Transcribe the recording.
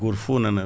goto fo nana